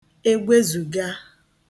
egwezuga